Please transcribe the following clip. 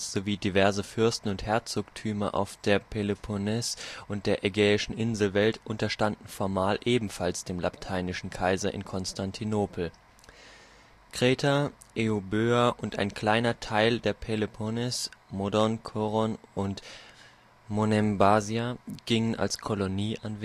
sowie diverse Fürsten - und Herzogtümer auf der Peloponnes und der ägäischen Inselwelt unterstanden formal ebenfalls dem lateinischen Kaiser in Konstantinopel. Kreta, Euböa und ein kleiner Teil der Peloponnes (Modon, Koron und Monembasia) gingen als Kolonie an